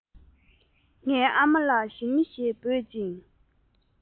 ངའི ཨ མ ལ ཞི མ ཞེས འབོད ཅིང